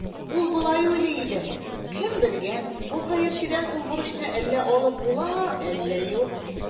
Ул болай уйлый иде: «Кем белгән, бу хәерчедән ул бурычны әллә алып була, әллә юк".